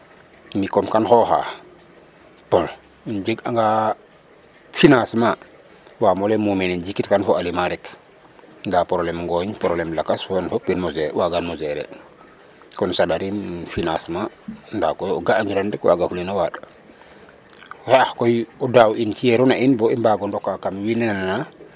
Mi' kom kaam xooxaa bon um jeganga financement waam o lay ee muumeen um jikitkan fo aliment rek ndaa probléme ngooñ probléme lakas wene fop waanum o, waagaanum o gérer kon saɗariim financement .Ndaa koy o ga'angiran rek waagafulino waaɗ xaƴa koyo daaw in ci'eeruna in bo i mbaag o ndokaa kam wiin we .